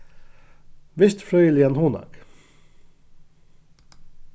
vistfrøðiligan hunang